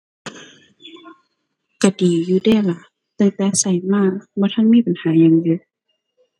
ก็ดีอยู่เดะล่ะ ตั้งแต่ก็มาบ่ทันมีปัญหาหยังอยู่